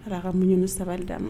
Ala ka muɲun ni sabali dan ma.